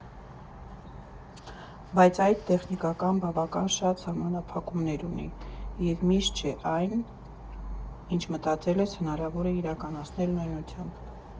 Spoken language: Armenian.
Բայց այդ տեխնիկան բավական շատ սահմանափակումներ ունի և միշտ չէ, որ այն, ինչ մտածել ես, հնարավոր է իրականացնել նույնությամբ։